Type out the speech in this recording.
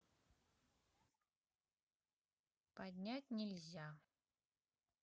поднять нельзя